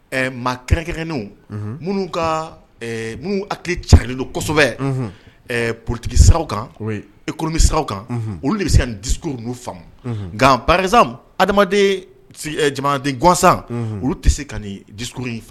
Ɛɛ maa kɛrɛkɛnenw minnu ka n'u hakili calen don kosɛbɛ porotigi sira kan ekkurumi sira kan olu de bɛ se ka dik n'u faamu nka bakarijan adamaden jamanaden gansan olu tɛ se ka nin dikurun in